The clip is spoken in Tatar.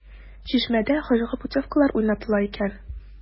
“чишмә”дә хаҗга путевкалар уйнатыла икән.